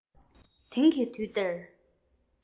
དེང གི དུས འདིར